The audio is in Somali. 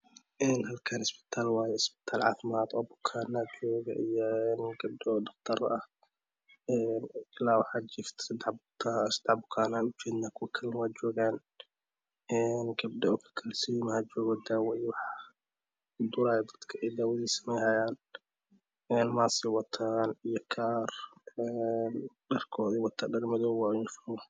Een halkaan isbitaal waaye isbitaal caafimad oo bukaano joga iyo gabdho dhaqtar ah een ilaa waxa jiifto sadex bukaan ah sadex bukaan ayaa jooga kuwa kale ayaa jooga een gabdho kalkaalisooyin ah jooga daawo iyo wax dadka wax durayo ayey samaynayaan een maas bey wataan iyo kaar een dharkooda wata dharkooda madow waaye yuuni foon